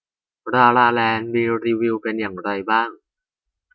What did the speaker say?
ลาลาแลนด์มีรีวิวเป็นอย่างไรบ้าง